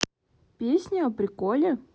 песня о приколе